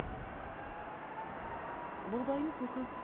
bug'doyni to'kib